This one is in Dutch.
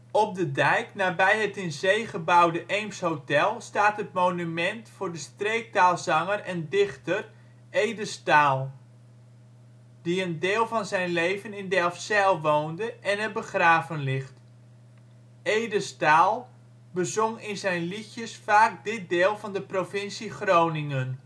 Op de dijk nabij het in zee gebouwde Eemshotel staat het monument voor de streektaalzanger en - dichter Ede Staal, die een deel van zijn leven in Delfzijl woonde en er begraven ligt. Ede Staal bezong in zijn liedjes vaak dit deel van de provincie Groningen